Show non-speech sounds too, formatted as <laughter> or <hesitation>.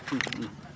<hesitation> <hesitation> <noise>